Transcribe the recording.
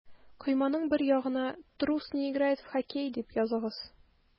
Койманың бер ягына «Трус не играет в хоккей» дип языгыз.